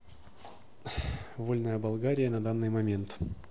вольная болгария на данный момент